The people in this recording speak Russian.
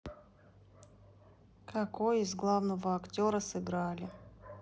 какой из главного актера сыграли